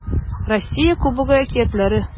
Россия Кубогы әкиятләре